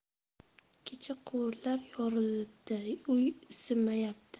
kecha quvurlar yorilibdi uy isimayapti